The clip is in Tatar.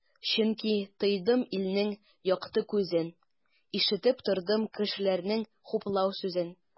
Чөнки тойдым илнең якты күзен, ишетеп тордым кешеләрнең хуплау сүзен.